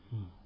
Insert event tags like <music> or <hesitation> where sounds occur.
<hesitation> <hesitation>